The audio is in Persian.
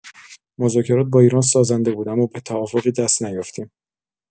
مذاکرات با ایران سازنده بود اما به توافقی دست نیافتیم.